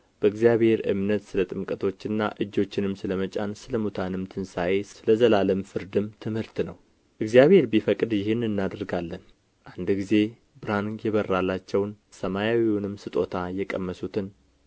በእግዚአብሔር እምነት ስለ ጥምቀቶችና እጆችንም ስለ መጫን ስለ ሙታንም ትንሣኤ ስለ ዘላለም ፍርድም ትምህርት ነው እግዚአብሔርም ቢፈቅድ ይህን እናደርጋለን አንድ ጊዜ ብርሃን የበራላቸውን ሰማያዊውንም ስጦታ የቀመሱትን